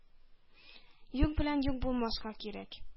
”юк белән юк булмаска кирәк.